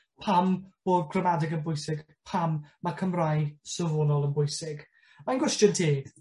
Pam bo' gramadeg yn bwysig? Pam ma' Cymraeg safonol yn bwysig? Mae'n gwestiwn teg.